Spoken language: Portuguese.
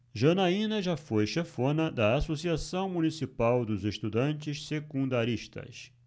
janaina foi chefona da ames associação municipal dos estudantes secundaristas